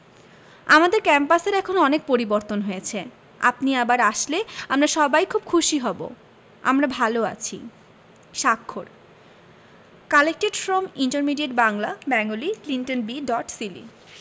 আমাদের ক্যাম্পাসের এখন অনেক পরিবর্তন হয়েছে আপনি আবার আসলে আমরা সবাই খুব খুশি হব আমরা ভালো আছি স্বাক্ষর collected from intermediate Bangla Bengali Clinton B dot Seely